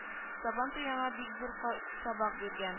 Сабантуй аңа бик зур сабак биргән